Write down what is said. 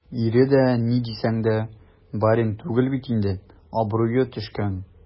Ире дә, ни дисәң дә, барин түгел бит инде - абруе төшкән.